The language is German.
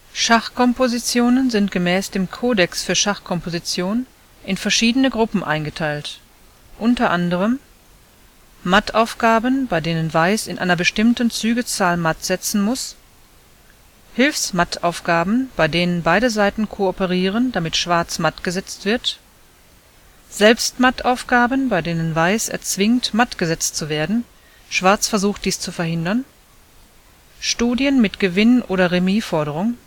Schachkompositionen sind gemäß dem Kodex für Schachkomposition in verschiedene Gruppen eingeteilt, unter anderem: Mattaufgaben, bei denen Weiß in einer bestimmten Zügezahl mattsetzen muss. Hilfsmattaufgaben, bei denen beide Seiten kooperieren, damit Schwarz mattgesetzt wird. Selbstmattaufgaben, bei denen Weiß erzwingt, mattgesetzt zu werden. Schwarz versucht, dies zu verhindern. Studien mit Gewinn - oder Remisforderung